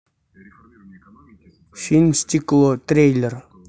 фильм стекло трейлер